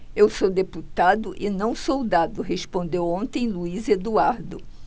eu sou deputado e não soldado respondeu ontem luís eduardo